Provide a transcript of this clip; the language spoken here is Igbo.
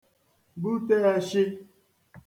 bute ẹshị̄